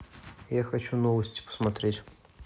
я хочу новости посмотреть